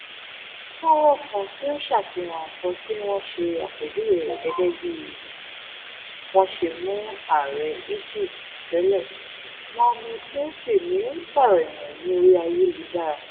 Fọ́nràn kan tí ó ń ṣàfihàn nǹkan tí wọ́n ṣe àpèjúwe rẹ̀ gẹ́gẹ́ bíi wọ́n ṣe mú ààrẹ Egypt tẹ́lẹ̀ Mohamed Morsi ni ó ń jà ròhìnròhìn ní orí ayélujára.